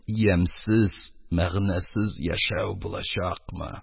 Ямьсез, мәгънәсез яшәү булачакмы?